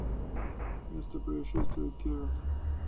место происшествия киров